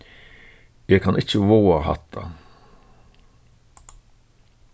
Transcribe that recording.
eg kann ikki vága hatta